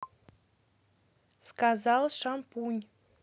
сказал шампунь